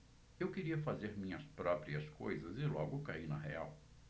eu queria fazer minhas próprias coisas e logo caí na real